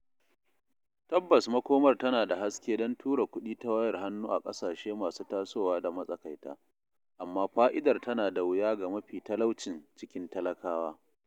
Tabbas makomar tana da haske don tura kuɗi ta wayar hannu a ƙasashe masu tasowa da matsakaita, amma fa’idar tana da wuya ga mafi talaucin cikin talakawa.